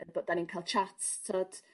'yn bo' 'dan ni'n ca'l chats t'od?